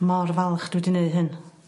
Mor falch dwi 'di neu' hyn.